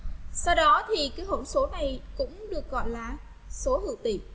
sau đó thì cứ hỗn số này cũng được gọi là số hữu tỉ